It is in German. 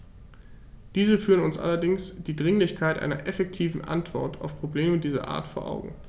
Diese führen uns allerdings die Dringlichkeit einer effektiven Antwort auf Probleme dieser Art vor Augen.